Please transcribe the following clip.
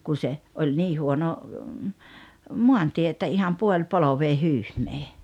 kun se oli niin huono maantie että ihan puolipolveen hyhmää